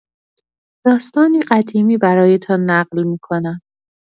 داستانی قدیمی برایتان نقل می‌کنم.